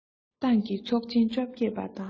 ཏང གི ཚོགས ཆེན བཅོ བརྒྱད པ དང